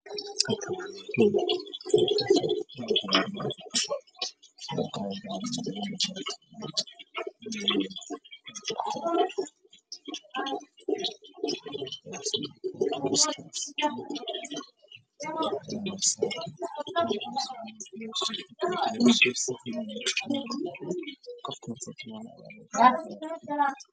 Meshan waxaa yaalo miisas waxaa dusha ka saaran marooyin gaduud ah